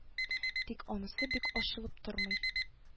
Тик анысы бик ачылып тормый